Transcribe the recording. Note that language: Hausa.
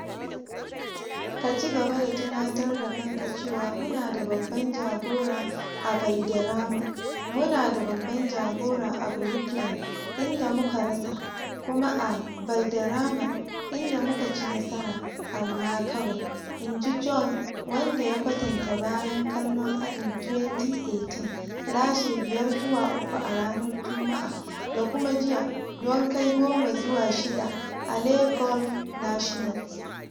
"Ka ci gaba da tunatar da kanka cewa mu na da babban jagora a Valderrama, mu na da babban jagora a Brookline, inda muka rasa, kuma a Valderrama, inda muka ci nasara, amma kawai," inji Bjorn, wanda ya kwatanta, bayan kallon Ajin 2018 lashe 5-3 a ranar Jumma'a da kuma jiya don kai 10-6 a Le Golf National.